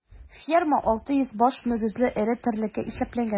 Ферма 600 баш мөгезле эре терлеккә исәпләнгән.